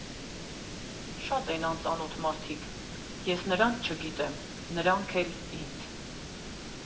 Շատ են անծանոթ մարդիկ՝ ես նրանց չգիտեմ, նրանք էլ՝ ինձ։